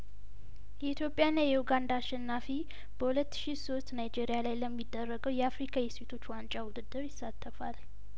የኢትዮጵያ ና የኡጋንዳ አሸናፊ በሁለት ሺ ሶስትናይጄሪያላይለሚ ደረገው የአፍሪካ የሴቶች ዋንጫ ውድድር ይሳ ተፋል